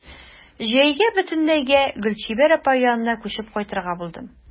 Җәйгә бөтенләйгә Гөлчибәр апа янына күчеп кайтырга булдым.